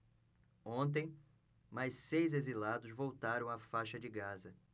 ontem mais seis exilados voltaram à faixa de gaza